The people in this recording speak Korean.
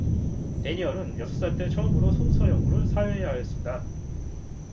대니얼은 여섯 살 때 처음으로 성서 연구를 사회하였습니다